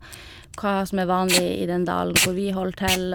Hva som er vanlig i den dalen hvor vi holder til.